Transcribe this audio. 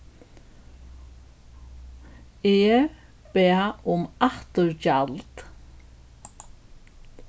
eg bað um afturgjald